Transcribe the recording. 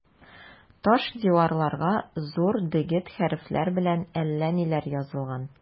Таш диварларга зур дегет хәрефләр белән әллә ниләр язылган.